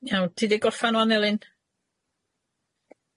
Iawn ti di gorffan ŵan Elin?